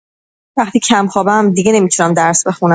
وقتی کم‌خوابم دیگه نمی‌تونم درس بخونم.